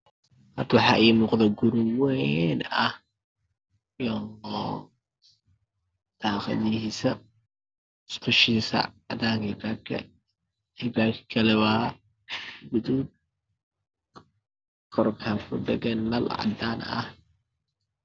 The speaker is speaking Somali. Hadda waxaa ii muuqda guri wayn ah iyo qol, daaqadihiisa, musqushiisa. cadaan albaabka albaabka kale waa guduud korontaa ku dhaggan nal cadaan ah